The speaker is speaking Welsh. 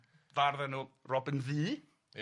fardd enw Robin Ddu... Ia...